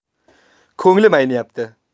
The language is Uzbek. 'nglim ayniyapti